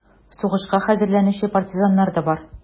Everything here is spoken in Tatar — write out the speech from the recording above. Сугышка хәзерләнүче партизаннар да бар: